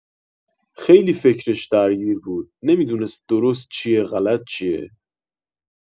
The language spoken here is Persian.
خیلی فکرش درگیر بود، نمی‌دونست درست چیه غلط چیه!